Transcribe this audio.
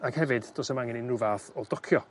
ac hefyd do's 'nam angen unryw fath o docio.